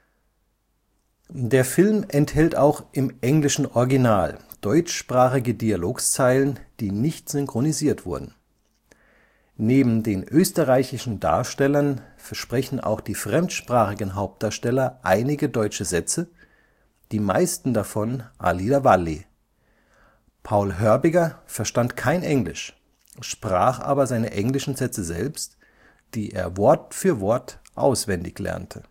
Der Film enthält auch im englischen Original deutschsprachige Dialogzeilen, die nicht synchronisiert wurden. Neben den österreichischen Darstellern sprechen auch die fremdsprachigen Hauptdarsteller einige deutsche Sätze, die meisten davon Alida Valli. Paul Hörbiger verstand kein Englisch, sprach aber seine englischen Sätze selbst, die er Wort für Wort auswendig lernte